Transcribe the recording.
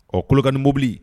Ɔ kolokani mobili